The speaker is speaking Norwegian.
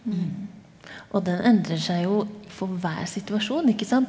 og den endrer seg jo for hver situasjon ikke sant.